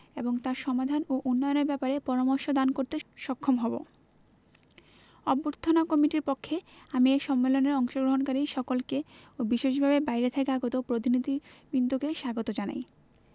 এবং তার সমাধান ও উন্নয়ন ব্যাপারে পরামর্শ দান করতে সক্ষম হবো অভ্যর্থনা কমিটির পক্ষে আমি এই সম্মেলনে অংশগ্রহণকারী সকলকে ও বিশেষভাবে বাইরে থেকে আগত প্রতিনিধিবৃন্দকে স্বাগত জানাই